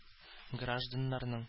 Гражданнарның